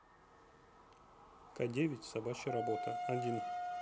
к девять собачья работа один